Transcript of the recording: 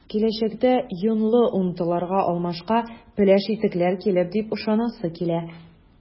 Киләчәктә “йонлы” унтыларга алмашка “пеләш” итекләр килер дип ышанасы килә.